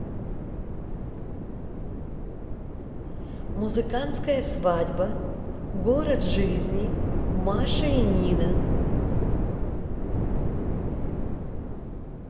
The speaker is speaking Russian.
музыкантская свадьба город жизни маша и нина